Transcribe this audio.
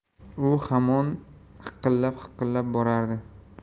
u hamon hiqillab hiqillab borardi